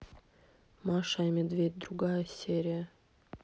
маша и медведь другая серия